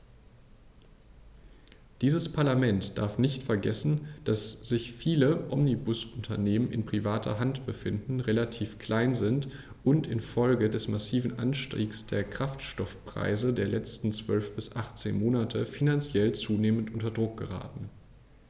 Dieses Parlament darf nicht vergessen, dass sich viele Omnibusunternehmen in privater Hand befinden, relativ klein sind und in Folge des massiven Anstiegs der Kraftstoffpreise der letzten 12 bis 18 Monate finanziell zunehmend unter Druck geraten.